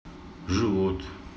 живот